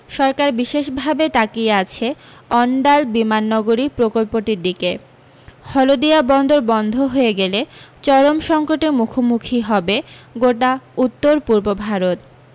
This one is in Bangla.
সরকার বিশেষ ভাবে তাকিয়ে রয়েছে অণডাল বিমাননগরী প্রকল্পটির দিকে হলদিয়া বন্দর বন্ধ হয়ে গেলে চরম সংকটের মুখোমুখি হবে গোটা উত্তর পূর্ব ভারত